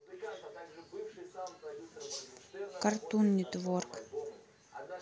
картун нетворк